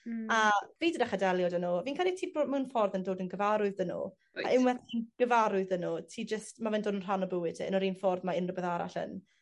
Hmm. A fi 'di dechre delio 'dy n'w. Fi'n credu ti br- mewn ffordd yn dod yn gyfarwydd 'da n'w. Wyt. A unweth ti'n gyfarwydd 'dy nw ti jyst ma' fe'n dod yn rhan o bywyd ti yn yr un ffordd mae unryw beth arall yn.